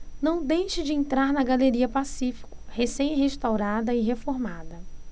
não deixe de entrar na galeria pacífico recém restaurada e reformada